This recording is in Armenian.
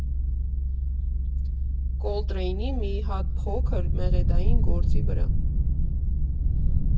Կոլտրեյնի մի հատ փոքր, մեղեդային գործի վրա։